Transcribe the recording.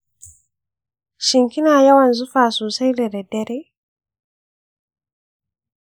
shin kina yawan zufa sosai da daddare?